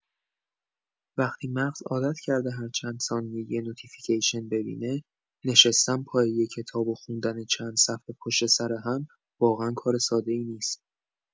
وقتی مغز عادت کرده هر چند ثانیه یه نوتیفیکیشن ببینه، نشستن پای یه کتاب و خوندن چند صفحه پشت‌سر هم، واقعا کار ساده‌ای نیست.